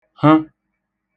hə̣